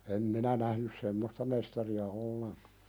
en minä nähnyt semmoista mestaria ollenkaan